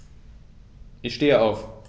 Ich stehe auf.